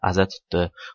aza tutdi